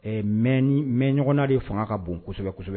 Ɛɛ mɛ ni mɛn ɲɔgɔnna de fanga ka bonsɛbɛ kosɛbɛ